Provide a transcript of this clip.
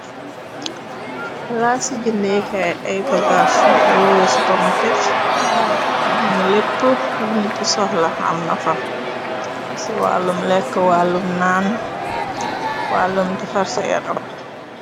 Palaci jëndeekay ay bagaa sunu koy woowe supermaket nexamna lépp luniti soxla am nafa ci wàllum lekk wàllum naan wàllum defar sa yaram.